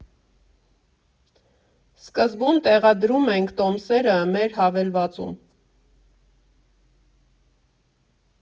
Սկզբում տեղադրում ենք տոմսերը մեր հավելվածում։